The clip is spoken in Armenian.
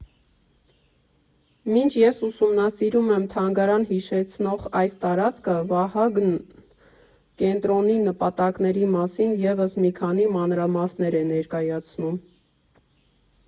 Մինչ ես ուսումնասիրում եմ թանգարան հիշեցնող այս տարածքը, Վահագնը կենտրոնի նպատակների մասին ևս մի քանի մանրամասներ է ներկայացնում.